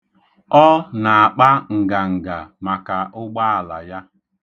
Ọ na-akpa nganga maka ụgbaala ya.